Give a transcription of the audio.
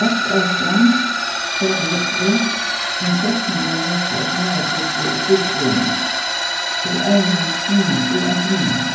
halt áfram far til høgru um seks hundrað metrar snara til høgru og fylg vegnum í einum í ein sunnan